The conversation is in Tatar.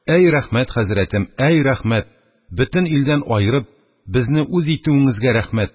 Әй рәхмәт, хәзрәтем! Әй рәхмәт! Бөтен илдән аерып, безне үз итүеңезгә рәхмәт!